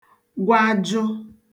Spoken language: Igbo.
gwajụ